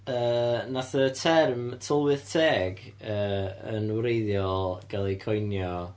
Yy wnaeth y term tylwyth teg, yy, yn wreiddiol gael ei coinio...